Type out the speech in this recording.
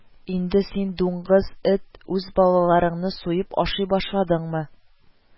Инде син, дуңгыз, эт, үз балаларыңны суеп ашый башладыңмы